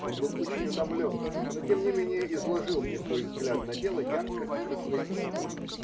Он был очень утомлен, но тем не менее изложил мне свой взгляд на дело ярко и красноречиво.